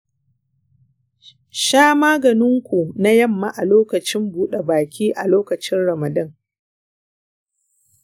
sha maganin ku na yamma a lokacin buɗa baki a lokacin ramadan.